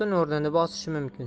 o'rnini bosishi mumkin